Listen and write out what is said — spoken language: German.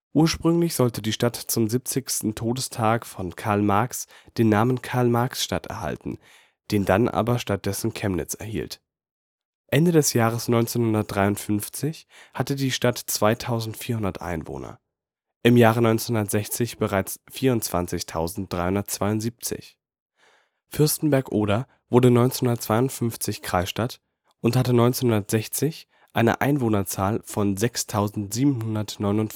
Ursprünglich sollte die Stadt zum 70. Todestag von Karl Marx den Namen Karl-Marx-Stadt erhalten., den dann aber stattdessen Chemnitz erhielt. Ende des Jahres 1953 hatte die Stadt 2.400 Einwohner, im Jahre 1960 bereits 24.372. Fürstenberg (Oder) wurde 1952 Kreisstadt und hatte 1960 eine Einwohnerzahl von 6.749. Am 13.